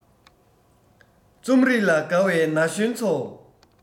རྩོམ རིག ལ དགའ བའི ན གཞོན ཚོ